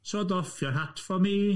So doffia hat for me.